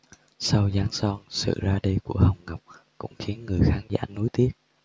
sau giáng son sự ra đi của hồng ngọc cũng khiến người khán giả nuối tiếc